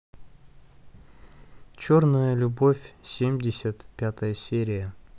черная любовь семьдесят пятая серия